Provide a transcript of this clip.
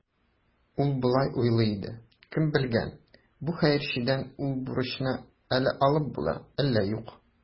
Ул болай уйлый иде: «Кем белгән, бу хәерчедән ул бурычны әллә алып була, әллә юк".